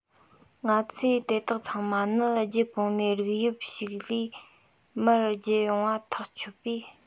ང ཚོས དེ དག ཚང མ ནི རྒྱུད གོང མའི རིགས དབྱིབས ཤིག ལས མར བརྒྱུད འོངས པ ཐག ཆོད པས